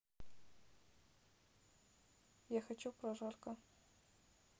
я хочу прожарка